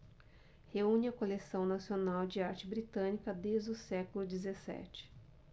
reúne a coleção nacional de arte britânica desde o século dezessete